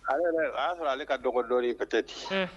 A y'a sɔrɔ ale ka dɔgɔ dɔ ka tɛ ten